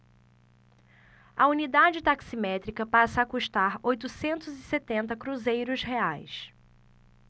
a unidade taximétrica passa a custar oitocentos e setenta cruzeiros reais